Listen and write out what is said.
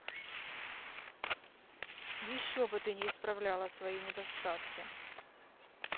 еще бы ты не исправляла свои недостатки